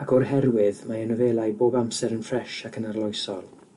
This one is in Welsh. ac o'r herwydd mae ei nofelau bob amser yn ffres ac yn arloesol.